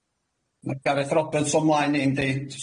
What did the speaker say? Ma' Gareth Roberts o mlaen i yndi?